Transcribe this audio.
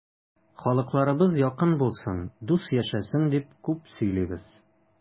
Халыкларыбыз якын булсын, дус яшәсен дип күп сөйлибез.